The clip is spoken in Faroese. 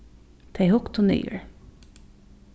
tey hugdu niður